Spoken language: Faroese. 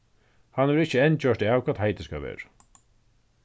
hann hevur ikki enn gjørt av hvat heitið skal vera